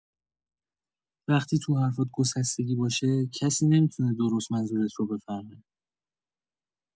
وقتی تو حرفات گسستگی باشه، کسی نمی‌تونه درست منظورت رو بفهمه.